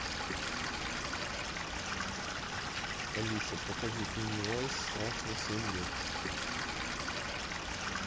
алиса покажи пеннивайз страшно семь лет